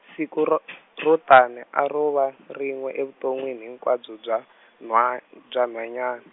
siku ro , ro tani a ro va rin'we evuton'wini hinkwabyo bya, nhwa- bya nhwanyana.